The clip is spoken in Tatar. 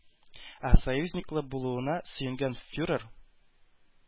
Ә “союзник”лы булуына сөенгән фюрер,